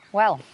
Wel